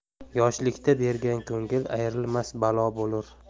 yoshlikda bergan ko'ngil ayrilmas balo bo'lur